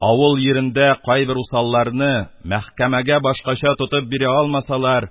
Авыл йирендә кайбер усалларны, мәхкәмәгә башкача тотып бирә алмасалар,